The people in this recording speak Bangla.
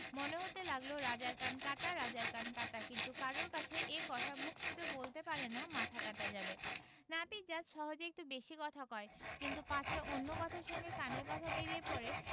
মনে হতে লাগল রাজার কান কাটা রাজার কান কাটা কিন্তু কারুর কাছে এ কথা মুখ ফুটে বলতে পারে না মাথা কাটা যাবে নাপিত জাত সহজে একটু বেশী কথা কয় কিন্তু পাছে অন্য কথার সঙ্গে কানের কথা বেরিয়ে পড়ে